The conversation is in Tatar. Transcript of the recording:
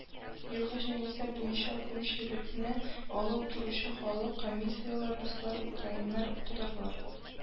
Елгы җанисәп буенча күпчелекне алып торучы халык: комилар, руслар, украиннар, татарлар